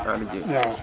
Passy Aly Dien